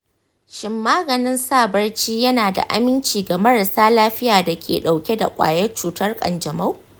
shin maganin sa barci yana da aminci ga marasa lafiyar da ke ɗauke da kwayar cutar kanjamau?